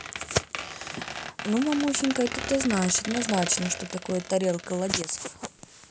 ну мамусенька это ты знаешь однозначно что такое тарелка ладесов